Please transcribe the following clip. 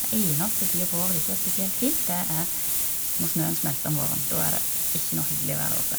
Den eneste tida på året det ikke er spesielt fint, det er når snøen smelter om våren, da er det ikke noe hyggelig å være der oppe.